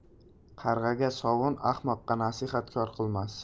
qarg'aga sovun ahmoqqa nasihat kor qilmas